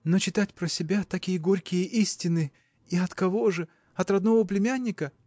– Но читать про себя такие горькие истины – и от кого же? от родного племянника!